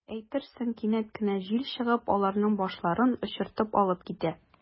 Әйтерсең, кинәт кенә җил чыгып, аларның “башларын” очыртып алып китә.